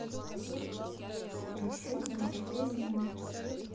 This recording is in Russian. прошу не такой номер